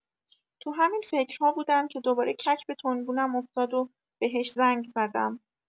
تو همین فکرها بودم که دوباره کک به تنبونم افتاد و بهش زنگ زدم.